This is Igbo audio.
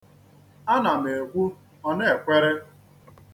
Ana m ekwu, ọ na-ekwere.